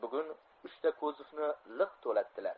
bugun uchta kuzovni liq to'latdilar